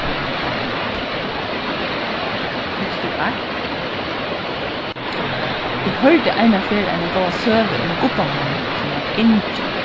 tekstur eitt eg hoyrdi eina ferð eina góða søgu um gubba mín sum æt ingi